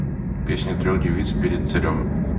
песня трех девиц перед царем